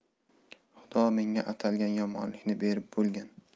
xudo menga atalgan yomonlikni berib bo'lgan